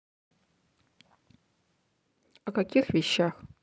о каких вещах